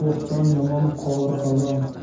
bo'ston yomon qora qozon